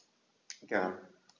Gern.